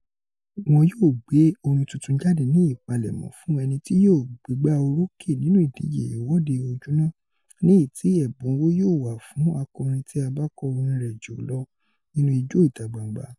Wọn yóò gbé orin tuntun jáde ní ìpalẹ̀mọ́ fún ẹni tí yóò gbégbáorókè nínú ìdíje Ìwọ́de Ojúná, ní èyí tí ẹ̀bùn owó yóò wà fún akọrin tí a bá kọ orin rẹ̀ jù lọ nínú Ijó ìta-gbangba.